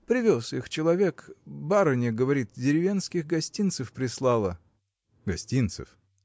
– Привез их человек: барыня, говорит, деревенских гостинцев прислала. – Гостинцев?